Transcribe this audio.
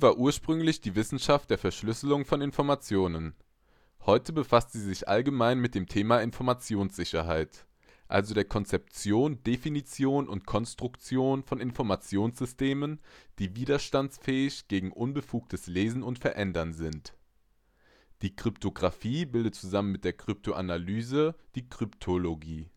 ursprünglich die Wissenschaft der Verschlüsselung von Informationen. Heute befasst sie sich allgemein mit dem Thema Informationssicherheit, also der Konzeption, Definition und Konstruktion von Informationssystemen, die widerstandsfähig gegen unbefugtes Lesen und Verändern sind. Die Kryptographie bildet zusammen mit der Kryptoanalyse (auch: Kryptanalyse) die Kryptologie